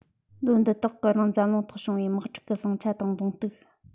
ལོ འདི དག གི རིང འཛམ གླིང ཐོག བྱུང བའི དམག འཁྲུག གི ཟིང ཆ དང གདོང གཏུག